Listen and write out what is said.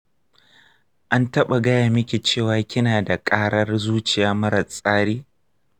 an taɓa gaya miki cewa kinada ƙarar zuciya marar tsari?